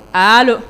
Aa